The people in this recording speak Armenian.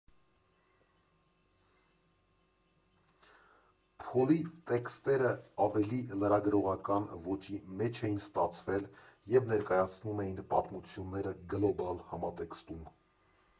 Փոլի տեքստերը ավելի լրագրողական ոճի մեջ էին ստացվել և ներկայացնում էին պատմությունները գլոբալ համատեքստում։